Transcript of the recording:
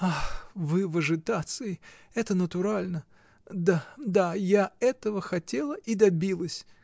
— Ах, вы в ажитации: это натурально — да, да, я этого хотела и добилась!